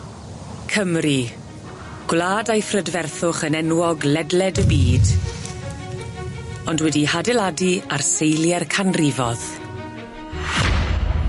Cymru, gwlad a'i phrydferthwch yn enwog ledled y byd, ond wedi'i hadeiladu ar seilie'r canrifodd.